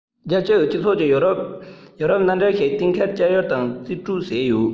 རྒྱལ སྤྱིའི སྤྱི ཚོགས ཀྱིས ཡོ རོབ མནའ འབྲེལ ཞིག གཏན འཁེལ བསྐྱར ལོག དང རྩིས སྤྲོད བྱེད དགོས